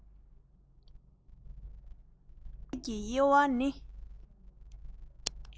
ནང གསེས ཀྱི དབྱེ བ ནི